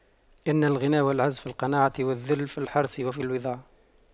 إن الغنى والعز في القناعة والذل في الحرص وفي الوضاعة